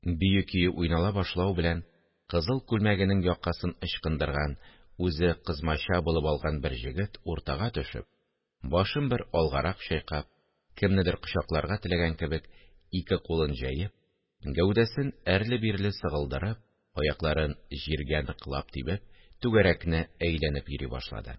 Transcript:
Бию көе уйнала башлау белән, кызыл күлмәгенең якасын ычкындырган, үзе кызмача булып алган бер җегет, уртага төшеп, башын бер алгарак чайкап, кемнедер кочакларга теләгән кебек, ике кулын җәеп, гәүдәсен әрле-бирле сыгылдырып, аякларын җиргә ныклап тибеп, түгәрәкне әйләнеп йөри башлады